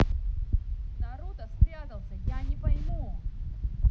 наруто спрятался я не пойму